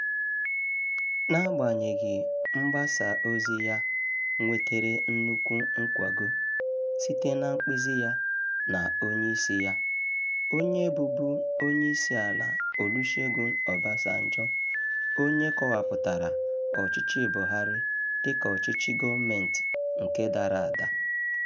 Na-agbanyeghị, mgbasa ozi ya nwetere nnukwu nkwago site na mkpezi ya na onyeisi ya, onye bụbu Onyeisi Ala Olusegun Obasanjo — onye kọwapụtara ọchịchị Buhari dịka ọchịchị gọọmentị nke dara ada.